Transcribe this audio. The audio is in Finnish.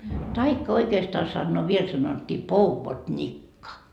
tai oikeastaan sanoo vielä sanottiin pouvodnikka